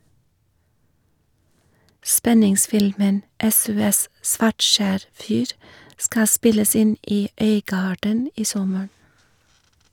Spenningsfilmen "SOS - Svartskjær fyr" skal spilles inn i Øygarden i sommer.